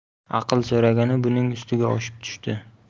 aql so'ragani buning ustiga oshib tushdi